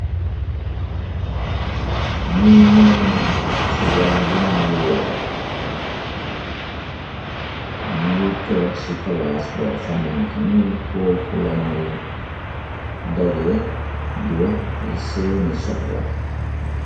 Ni ñoone ci wàllum luwa ñuuy toog ci palaas ba xamante ni foofu lañuy daje di wax seeni soxla.